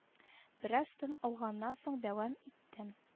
Бераз тын алганнан соң дәвам итте